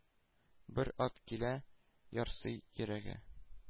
Бер ат килә, ярсый йөрәге.